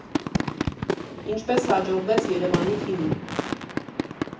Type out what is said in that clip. Ինչպես հաջողվեց ԵՐԵՎԱՆի թիմին։